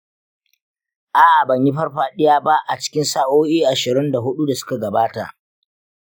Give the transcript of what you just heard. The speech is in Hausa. a'a, ban yi farfadiya ba a cikin sa'o'i ashirin da huɗu da suka gabata.